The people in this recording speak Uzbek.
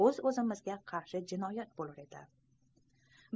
o'z o'zlarimizga qarshi jinoyat bo'lur edi